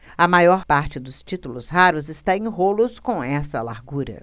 a maior parte dos títulos raros está em rolos com essa largura